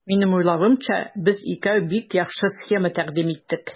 Минем уйлавымча, без икәү бик яхшы схема тәкъдим иттек.